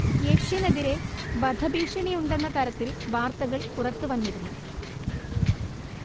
യഷിനെതിരേ വധഭീഷണിയുണ്ടെന്ന തരത്തിൽ വാർത്തകൾ പുറത്ത് വന്നിരുന്നു